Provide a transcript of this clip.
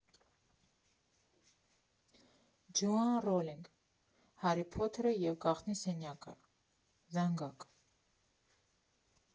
ՋՈԱՆ ՌՈԼԻՆԳ, «ՀԱՐԻ ՓՈԹԵՐԸ ԵՎ ԳԱՂՏՆԻ ՍԵՆՅԱԿԸ», ԶԱՆԳԱԿ։